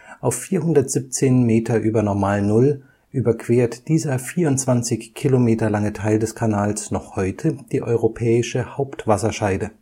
Auf 417 m ü. NN (Wasserspiegelhöhe) überquert dieser 24 Kilometer lange Teil des Kanals noch heute die Europäische Hauptwasserscheide